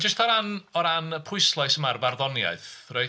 jyst o ran o ran y pwyslais yma ar farddoniaeth reit.